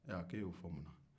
a ko e y'o fɔ munna